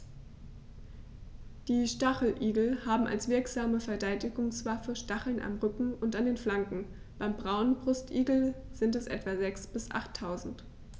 Die Stacheligel haben als wirksame Verteidigungswaffe Stacheln am Rücken und an den Flanken (beim Braunbrustigel sind es etwa sechs- bis achttausend).